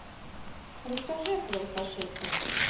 расскажи о своих ошибках